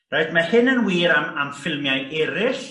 Reit ma' hyn yn wir am am ffilmiau erill